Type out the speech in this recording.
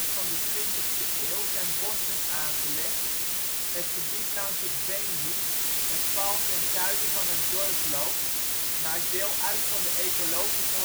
van de twintigste eeuw zijn bossen aangelegd. Het gebied langs het Veendiep, dat pal ten zuiden van het dorp loopt, maakt deel uit van de Ecologische